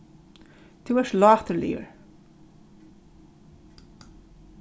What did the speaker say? tú ert láturligur